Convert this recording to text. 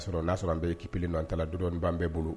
A'a sɔrɔ n'a sɔrɔ n' kipi don an ta la dɔrɔnban bɛɛ bolo